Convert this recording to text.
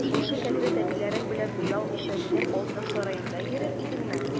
Шушы кәкре тәпиләрең белән оялмыйча минем алтын сараемда йөрер идеңме?